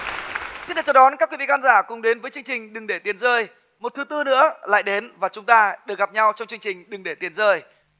xin được chào đón các quý vị khán giả cùng đến với chương trình đừng để tiền rơi một thứ tư nữa lại đến và chúng ta được gặp nhau trong chương trình đừng để tiền rơi